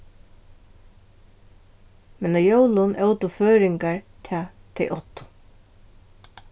men á jólum ótu føroyingar tað tey áttu